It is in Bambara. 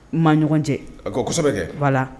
N ma ɲɔgɔn cɛ a ko kosɛbɛ kɛ wala